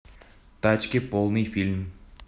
тачки полный фильм